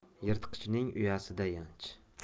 yirtqichni uyasida yanch